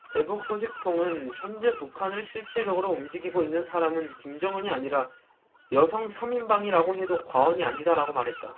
대북 소식통은 현재 북한을 실질적으로 움직이고 있는 사람은 김정은이 아니라 여성 삼 인방이라고 해도 과언이 아니다라고 말했다